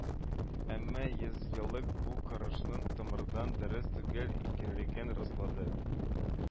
Әмма йөзьеллык бу карашның тамырдан дөрес түгел икәнлеген раслады